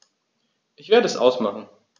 Ich werde es ausmachen